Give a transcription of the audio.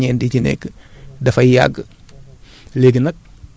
maanaam pour mu nëb ba suuf si mën a jëfandikoo ferñent yi ci nekk